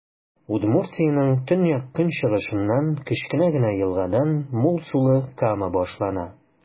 Удмуртиянең төньяк-көнчыгышыннан, кечкенә генә елгадан, мул сулы Кама башлана.